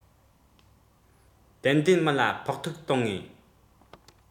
ཏན ཏན མི ལ ཕོག ཐུག གཏོང ངེས